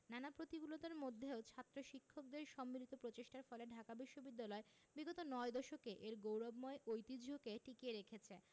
নানা প্রতিকূলতার মধ্যেও ছাত্র শিক্ষকদের সম্মিলিত প্রচেষ্টার ফলে ঢাকা বিশ্ববিদ্যালয় বিগত নয় দশকে এর গৌরবময় ঐতিহ্যকে টিকিয়ে রেখেছে